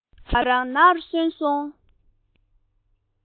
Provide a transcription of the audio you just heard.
ཁྲོད དུ ང རང ནར སོན སོང